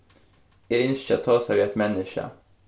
eg ynski at tosa við eitt menniskja